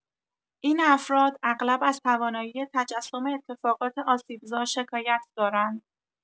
این افراد، اغلب از توانایی تجسم اتفاقات آسیبزا شکایت دارند.